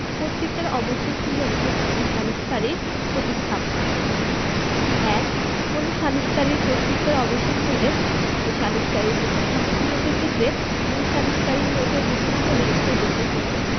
কর্তৃত্বের অবসান হইয়াছে এমন সালিসকারীর প্রতিস্থাপন ১ কোন সালিকারীর কর্তত্বের অবসান হইলে উক্ত সালিকারীর প্রতিস্থাপক নিয়োগের ক্ষেত্রে মূল সালিসকারী নিয়োগের বিধানাবলী প্রযোজ্য হইবে